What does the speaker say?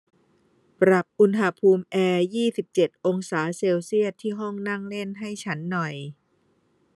ปรับอุณหภูมิแอร์ยี่สิบเจ็ดองศาเซลเซียสที่ห้องนั่งเล่นให้ฉันหน่อย